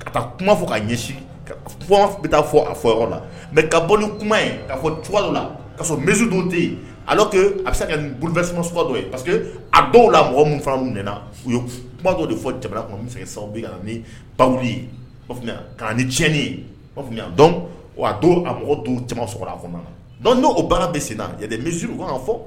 Ka taa kuma fɔ k' ɲɛsin kuma bɛ fɔ a fɔ yɔrɔ mɛ ka bɔ kuma ka fɔ la ka misi dun tɛ yen a bɛ se kafɛ dɔ ye a dɔw la mɔgɔ min fana minnu nana u ye kuma dɔw de fɔ jamana bɛ sa ni tiɲɛni ye a don a mɔgɔ dun kɔnɔna' o baara bɛ sen misi kan fɔ